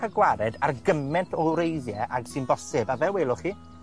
ca' gwared ar gyment o wreiddie ag sy'n bosib, a fel welwch chi